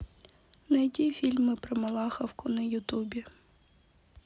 найди фильмы про малаховку на ютубе